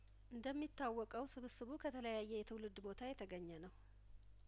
እንደሚ ታወቀው ስብስቡ ከተለያየ የትውልድ ቦታ የተገኘ ነው